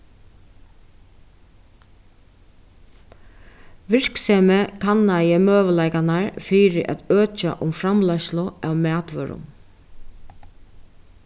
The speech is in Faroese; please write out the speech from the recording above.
virksemið kannaði møguleikarnar fyri at økja um framleiðslu av matvørum